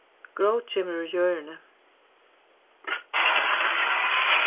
grót kemur úr jørðini